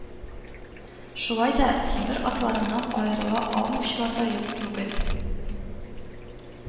Шулай да тимер атларыннан аерыла алмаучылар да юк түгел